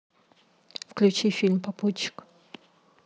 включи фильм попутчик